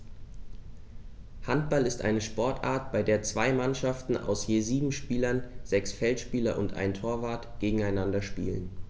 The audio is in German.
Handball ist eine Sportart, bei der zwei Mannschaften aus je sieben Spielern (sechs Feldspieler und ein Torwart) gegeneinander spielen.